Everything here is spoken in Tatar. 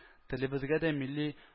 Телебезгә дә, милли